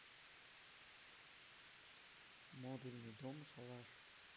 модульный дом шалаш